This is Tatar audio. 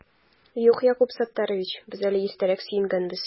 Юк, Якуб Саттарич, без әле иртәрәк сөенгәнбез